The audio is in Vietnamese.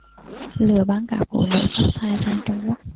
lừa bán cả phụ nữ có thai sang trung quốc